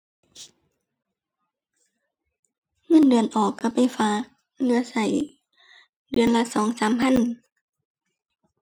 เงินเดือนออกก็ไปฝาก เหลือก็เดือนละสองสามพัน